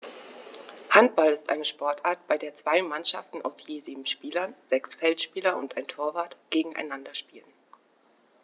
Handball ist eine Sportart, bei der zwei Mannschaften aus je sieben Spielern (sechs Feldspieler und ein Torwart) gegeneinander spielen.